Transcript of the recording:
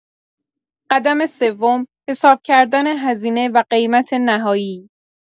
قدم سوم، حساب کردن هزینه و قیمت نهایی.